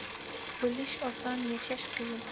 o'lish oson yashash qiyin